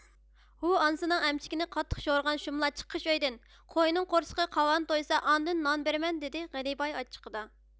ھۇھ ئانىسىنىڭ ئەمچىكىنى قاتتىق شورىغان شۇملار چىقىش ئۆيدىن قوينىڭ قورسىقى قاۋان تويسا ئاندىن نان بېرىمەن دىدى غېنى باي ئاچچىقىدا